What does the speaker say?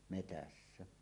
metsässä